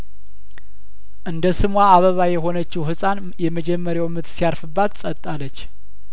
እንደ ስሟ አበባ የሆነችው ህጻን የመጀመሪያውምት ሲያርፍባት ጸጥ አለች